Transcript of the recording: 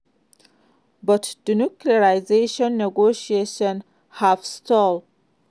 But denuclearization negotiations have stalled.